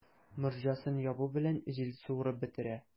Морҗасын ябу белән, җил суырып бетерә.